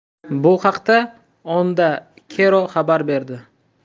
bu haqda onda cero xabar berdi